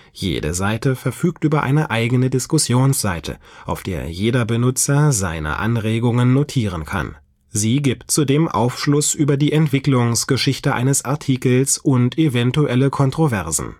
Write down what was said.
Jede Seite verfügt über eine eigene Diskussionsseite, auf der jeder Benutzer seine Anregungen notieren kann. Sie gibt zudem Aufschluss über die Entwicklungsgeschichte eines Artikels und eventuelle Kontroversen